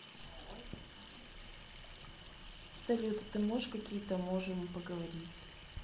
салют а ты можешь какие то можем поговорить